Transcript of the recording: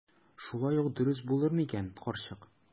Шулай ук дөрес булыр микән, карчык?